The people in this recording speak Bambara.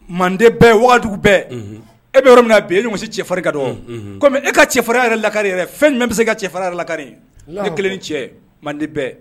Manden bɛɛ ye wagadu bɛɛ e bɛ yɔrɔ minna na bi yen ne se cɛfarin ka dɔn komi e ka cɛfarin yɛrɛ laka yɛrɛ fɛn bɛ se ka cɛfarin yɛrɛ lakari ne kelen ni cɛ mande bɛɛ